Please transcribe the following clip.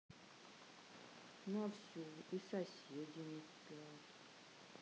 на всю и соседи не спят